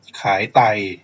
ขายไต